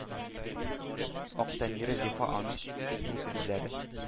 Ак тәннәре зифа аның; зур күзләре